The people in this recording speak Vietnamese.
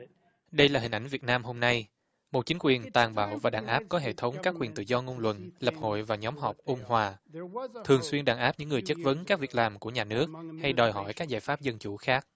đây là hình ảnh việt nam hôm nay một chính quyền tàn bạo và đàn áp có hệ thống các quyền tự do ngôn luận lập hội và nhóm họp ôn hòa thường xuyên đàn áp những người chất vấn các việc làm của nhà nước hay đòi hỏi các giải pháp dân chủ khác